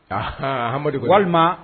Aanhan, Hamadi ko, walima,